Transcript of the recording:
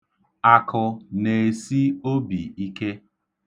Akụ na-esi obi ike.